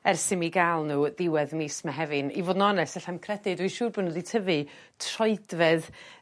ers i mi ga'l n'w ddiwedd mis Mehefin i fod yn onest ellai'm credu dwi siŵr bo' nw 'di tyfu troedfedd